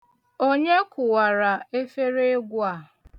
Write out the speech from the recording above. Onye kụwara efereegwu a?